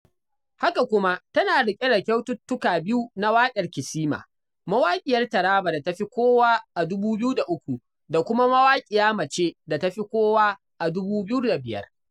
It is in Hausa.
Haka kuma tana riƙe da Kyaututtuka biyu na Waƙar Kisima: Mawaƙiyar Taraaba da ta fi kowa a 2003 da kuma Mawaƙiya Mace da ta fi kowa a 2005.